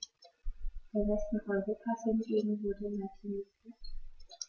Der Westen Europas hingegen wurde latinisiert.